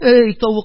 Әй, тавык баш!